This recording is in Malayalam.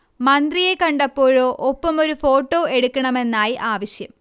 മന്ത്രിയെ കണ്ടപ്പോഴോ ഒപ്പമൊരു ഫോട്ടോ എടുക്കണമെന്നായി ആവശ്യം